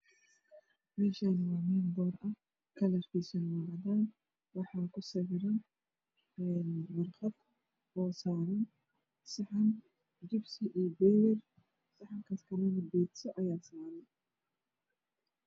Meshaani waa meel boor ah kalarkisuna waa cadan waxaa ku sawiran warqad oo saran saxan jibsi hanbegar saxankaas kalena biidsa ayaa saran